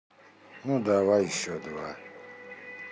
ну давай еще два